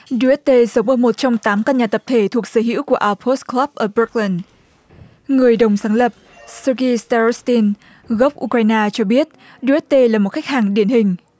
đu rét tê sống ở một trong tám căn nhà tập thể thuộc sở hữu của a phốt cờ lắp ở bờ rốc lừn người đồng sáng lập sơ ki te rớt tin gốc u cờ ren na cho biết đu rét tê là một khách hàng điển hình